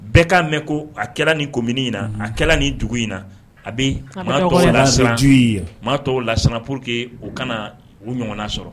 Bɛɛ'a mɛn ko a kɛra nim in na a kɛra ni dugu in na a bɛju m'a to lasana pour que u kana u ɲɔgɔn sɔrɔ